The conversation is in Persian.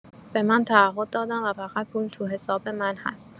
به من تعهد دادن و فقط پول تو حساب من هست.